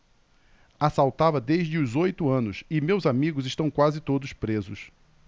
assaltava desde os oito anos e meus amigos estão quase todos presos